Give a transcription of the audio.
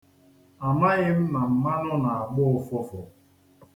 Amaghị m na mmanụ na-agba ụfụfụ.